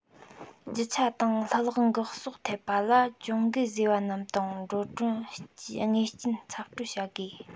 རྒྱུ ཆ དང ལྷུ ལག བཀག གསོག ཐེབས པ ལ གྱོང གུན བཟོས པ རྣམས དང འགྲོ གྲོན དངོས སྐྱིན ཚབ སྤྲོད དགོས